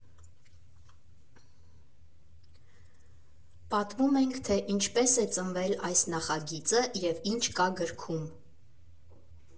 Պատմում ենք, թե ինչպես է ծնվել այս նախագիծը և ինչ կա գրքում։